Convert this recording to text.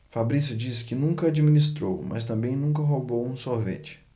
fabrício disse que nunca administrou mas também nunca roubou um sorvete